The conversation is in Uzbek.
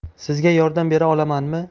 sizga yordam bera olamanmi